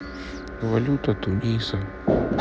валюта туниса